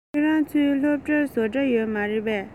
ཁྱོད རང ཚོའི སློབ གྲྭར བཟོ གྲྭ ཡོད རེད པས